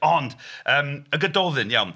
Ond yym y Gododdin iawn.